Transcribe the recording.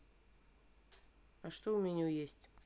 а что в меню есть